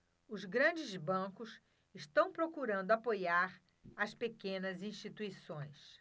os grandes bancos estão procurando apoiar as pequenas instituições